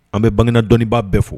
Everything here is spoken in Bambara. An bɛ ban dɔnniibaa bɛɛ fo